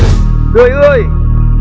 đười ươi